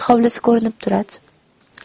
hovlisi ko'rinib turadi